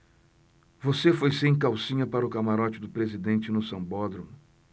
você foi sem calcinha para o camarote do presidente no sambódromo